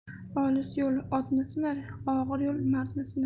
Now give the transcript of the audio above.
olis yo'l otni sinar og'ir yo'l mardni sinar